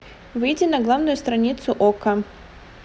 выйди на главную страницу okko